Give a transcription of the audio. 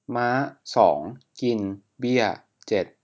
ม้าสองกินเบี้ยเจ็ด